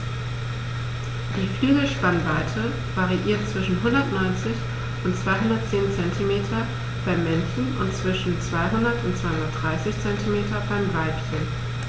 Die Flügelspannweite variiert zwischen 190 und 210 cm beim Männchen und zwischen 200 und 230 cm beim Weibchen.